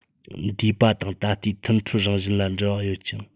འདས པ དང ད ལྟའི མཐུན འཕྲོད རང བཞིན ལ འབྲེལ བ ཡོད ཅིང